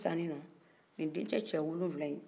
sisanin nɔn nin denkɛ cɛ wolowula